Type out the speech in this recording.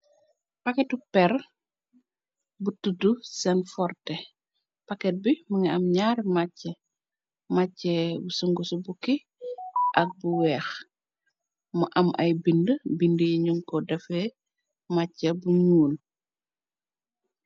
Paketu peri, bu tuddu seen forte . paket bi mi nga am ñaari macce , macce bu sungu su bukki ak bu weex. mu am ay bind bind yiñuko dafe macca bu ñuul.